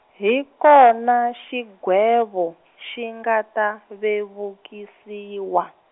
hi kona xigwevo xi nga ta vevukisiwa.